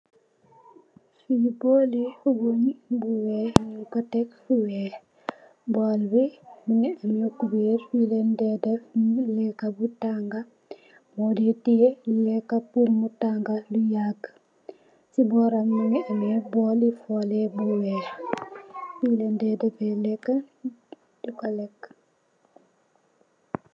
Fii borli weungh bu wekh njung kor tek fu wekh, borl bii mungy ameh couberre, fii len dae deff lehkah bu tangah, modae tiyeh lehkah pur mu tangah lu yagu, cii bohram mungy ameh borli foleh bu wekh, fii len dae deffeh lehkah dikor lehku.